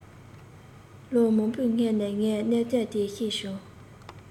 ལོ མང པོའི སྔོན ནས ངས གནད དོན དེ ཤེས བྱུང